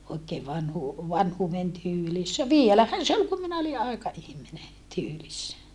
oikein - vanhuuden tyylissä vielähän se oli kun minä olin aikaihminen tyylissä